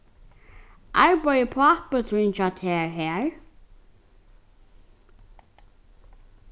arbeiðir pápin hjá tær har